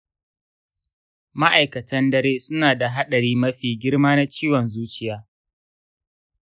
ma'aikatan dare suna da haɗari mafi girma na ciwon zuciya?